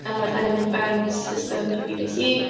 Yy dan ni'n mynd fewn i system y BBC.